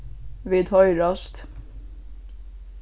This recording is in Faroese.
vit hoyrast